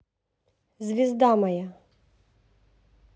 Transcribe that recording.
звезда моя